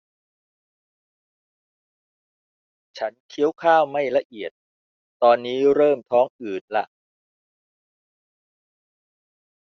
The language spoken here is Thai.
ฉันเคี้ยวข้าวไม่ละเอียดตอนนี้เริ่มท้องอืดละ